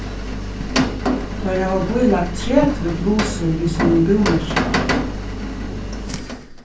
teir hava bílagt tretivu blusur við sínum búmerki á